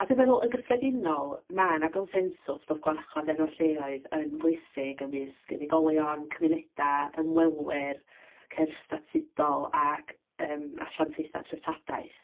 A dwi'n meddwl, yn gyffredinol, mae 'na gonsensws bod gwarchod enwau lleoedd yn bwysig ymysg unigolion, cymunedau, ymwelwyr, cyrff statudol ac yym asiantaethau treftadaeth.